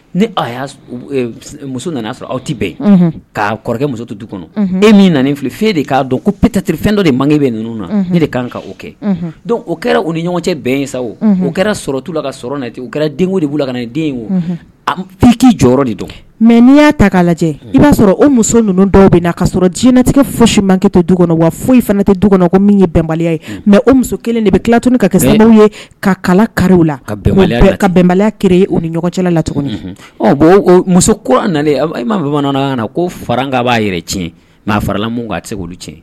Ni y'a muso nana'a sɔrɔ aw tɛ bɛn ka kɔrɔkɛ muso to du kɔnɔ e min nan filɛ fɛn de k'a dɔn ko ptatiriri fɛn dɔ de man e bɛ ninnu na ne de ka kan ka o kɛ dɔnku o kɛra u ni ɲɔgɔn cɛ bɛn sa o o kɛra sɔrɔ tu la ka sɔrɔ ten u kɛra den de bolo ka den o aki jɔyɔrɔ de don mɛ n'i y'a ta k'a lajɛ i b'a sɔrɔ o muso ninnu dɔw bɛ na ka sɔrɔ diɲɛinɛtigɛ fosi mankɛ to du kɔnɔ wa foyi fana tɛ du kɔnɔ ko min ye bɛnbaliya ye mɛ o muso kelen de bɛ tilalat ka kɛ ye ka kala kariw la ka ka bɛnbaliya kɛra ye o ni ɲɔgɔncɛ la tɔgɔ min bon muso kura e ma bamanan ɲɔgɔn na ko fara ka b'a yɛrɛ tiɲɛ maa faralamu k' a tɛ se k'olu tiɲɛ